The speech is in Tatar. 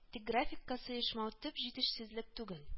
Тик графикка сыешмау төп җитешсезлек түгел